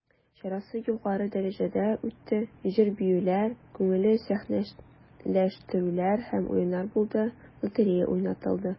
Чарасы югары дәрәҗәдә үтте, җыр-биюләр, күңелле сәхнәләштерүләр һәм уеннар булды, лотерея уйнатылды.